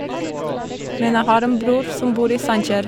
Men jeg har en bror som bor i Steinkjer.